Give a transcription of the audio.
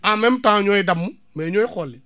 en même temps ñooy damm